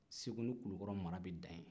segu ni kulikɔrɔ mara bɛ dans yen